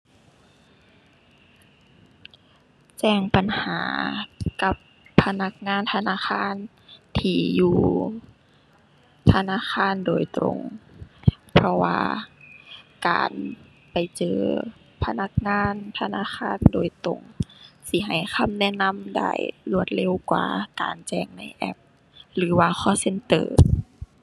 แจ้งปัญหากับพนักงานธนาคารที่อยู่ธนาคารโดยตรง เพราะว่าการไปเจอพนักงานธนาคารโดยตรงสิให้คำแนะนำได้รวดเร็วกว่าการแจ้งในแอป หรือว่า call center